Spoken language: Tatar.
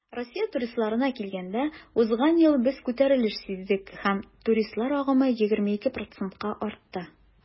Россия туристларына килгәндә, узган ел без күтәрелеш сиздек һәм туристлар агымы 22 %-ка артты.